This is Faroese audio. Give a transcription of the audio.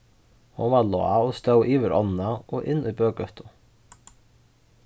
hon var lág og stóð yvir ánna og inn í bøgøtu